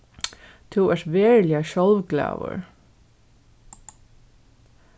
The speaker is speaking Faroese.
tú ert veruliga sjálvglaður